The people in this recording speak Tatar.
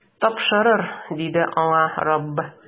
Тапшырыр, - диде аңа Раббы.